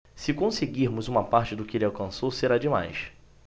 se conseguirmos uma parte do que ele alcançou será demais